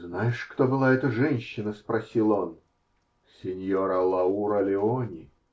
-- Знаешь, кто была эта женщина? -- спросил он. -- Синьора Лаура Леони.